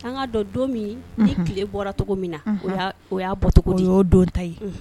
An' dɔn don min ni tile bɔra cogo min na o y'a bɔt' don ta ye